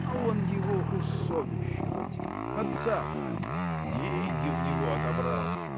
А он его усовещивать, отца-то! Деньги у него отобрал!